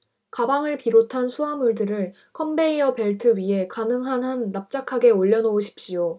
가방을 비롯한 수하물들을 컨베이어 벨트 위에 가능한 한 납작하게 올려놓으십시오